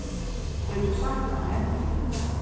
hevur tú saknað meg